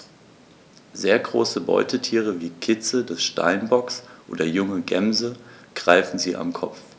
Sehr große Beutetiere wie Kitze des Steinbocks oder junge Gämsen greifen sie am Kopf.